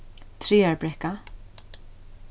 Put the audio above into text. traðarbrekka